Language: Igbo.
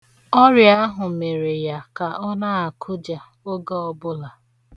Ọrịa ahụ mere ya ka ọ na-akuja oge ọbụla.